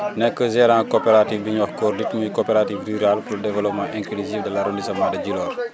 nekk gérant coopérative bu ñuy wax COORDID muy coopérative rurale pour développement inclusif de l' arrondissement de Djilor